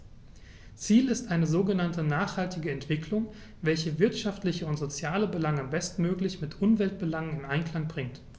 Ziel ist eine sogenannte nachhaltige Entwicklung, welche wirtschaftliche und soziale Belange bestmöglich mit Umweltbelangen in Einklang bringt.